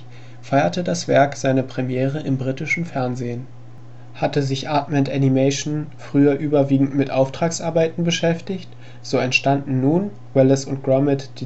Werk seine Premiere im britischen Fernsehen. Hatte sich Aardman Animation früher überwiegend mit Auftragsarbeiten beschäftigt, so entstanden nun Wallace & Gromit –